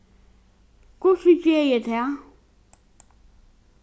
hvussu geri eg tað